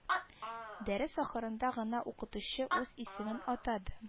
Дәрес ахырында гына укытучы үз исемен атады